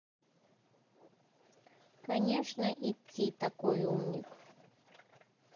конечно идти такой умник